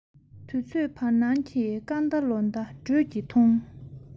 དུས ཚོད བར སྣང གི སྐར མདའ ལོ ཟླའི འགྲོས ཀྱིས ལྷུང